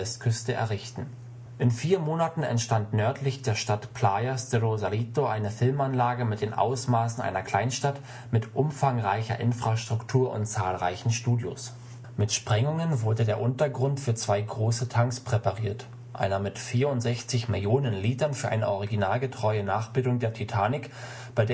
vier Monaten entstand nördlich der Stadt Playas de Rosarito eine Filmanlage mit den Ausmaßen einer Kleinstadt mit umfangreicher Infrastruktur und zahlreichen Studios. Mit Sprengungen wurde der Untergrund für zwei große Tanks präpariert – einer mit 64 Millionen Litern für eine originalgetreue Nachbildung der Titanic, bei